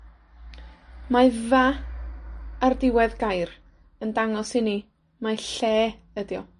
Mae fa ar diwedd gair yn dangos i ni mae lle ydi o.